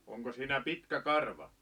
onko siinä pitkä karva